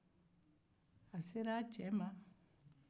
a sera a cɛ ma